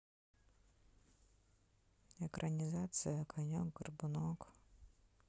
экранизация конек горбунок